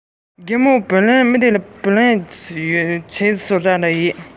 རྒན མོས བུ ལོན ཆད པ དང